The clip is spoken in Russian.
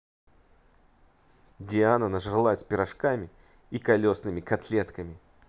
диана нажралась пирожками и колесными котлетками